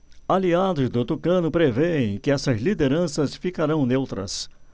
aliados do tucano prevêem que essas lideranças ficarão neutras